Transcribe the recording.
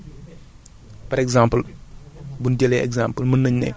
wala mu joge ci lu doon dund par exemple